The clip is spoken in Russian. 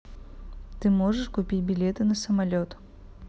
ты можешь купить билеты на самолет